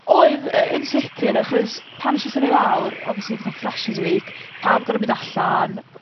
Oedd yy yn sicir, achos pan nesh i symud lawr, obviously fatha Fresher's week pawb gor'o' mynd allan